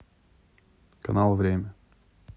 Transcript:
канал время